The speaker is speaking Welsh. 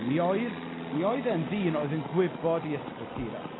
Mi oedd mi oedd e'n ddyn oedd yn gwybod ei ysgrythurau.